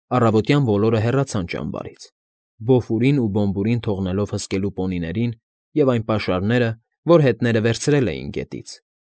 Առավոտյան բոլորը հեռացան ճամբարից՝ Բոֆուրին ու Բոմբուրին թողնելով հսկելու պոնիներին և այն պաշարները, որ հետները վերցրել էին գետից։